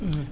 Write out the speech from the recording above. %hu